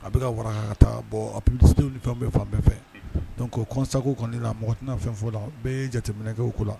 A bɛka ka waga taa bɔ aw ni fɛn bɛ fan bɛɛ fɛ donc ko kɔnsa kɔni di la mɔgɔ tɛna fɛn fɔ la bɛɛ ye jateminɛkɛ ko la